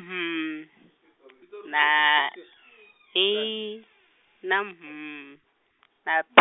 M na I na M na P